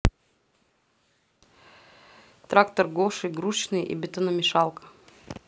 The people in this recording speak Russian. трактор гоша игрушечный и бетономешалка